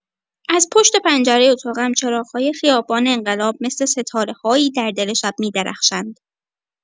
از پشت پنجرۀ اتاقم، چراغ‌های خیابان انقلاب مثل ستاره‌هایی در دل شب می‌درخشند.